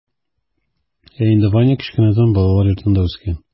Ә инде ваня кечкенәдән балалар йортында үскән.